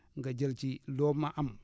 nga jël ci loo ma am